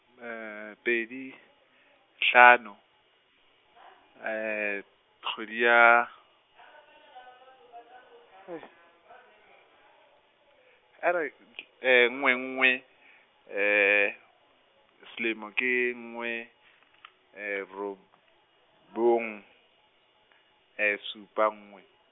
pedi, hlano, kgwedi ya, , nngwe nngwe, selemo ke nngwe , robong, supa nngwe.